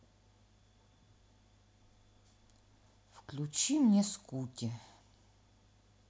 включи мне скути